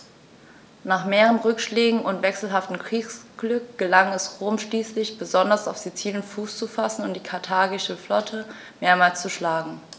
Nach mehreren Rückschlägen und wechselhaftem Kriegsglück gelang es Rom schließlich, besonders auf Sizilien Fuß zu fassen und die karthagische Flotte mehrmals zu schlagen.